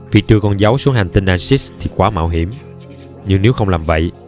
việc đưa con dấu xuống hành tinh aegis thì quá mạo hiểm nhưng nếu không làm vậy